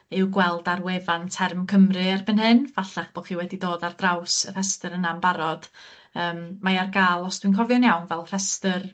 i'w gweld ar wefan Term Cymru erbyn hyn fallach bo' chi wedi dod ar draws y rhestyr yna'n barod yym mae ar ga'l, os dwi'n cofio'n iawn, fel rhestyr